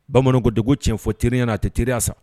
Bamananw dogo cɛn fɔ teriya a tɛ teriya san